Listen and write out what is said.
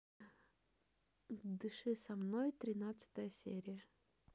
дыши со мной тринадцатая серия